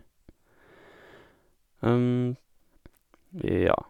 Ja.